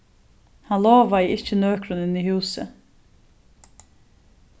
hann lovaði ikki nøkrum inn í húsið